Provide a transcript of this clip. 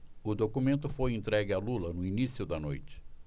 o documento foi entregue a lula no início da noite